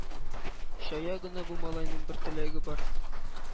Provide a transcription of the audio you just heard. Чая гына бу малайның бер теләге бар —